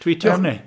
Twîtiwch ni.